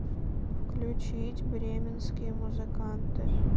включить бременские музыканты